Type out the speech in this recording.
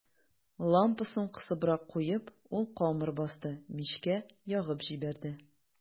Лампасын кысыбрак куеп, ул камыр басты, мичкә ягып җибәрде.